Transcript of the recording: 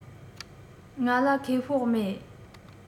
ང ལ ཁེ སྤོགས མེད